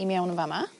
i mewn yn fan 'ma.